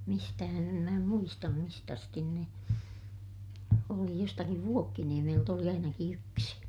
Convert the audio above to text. mistähän en minä muista mistä asti ne oli jostakin Vuokkiniemeltä oli ainakin yksi